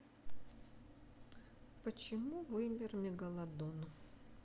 почему вымер мегалодон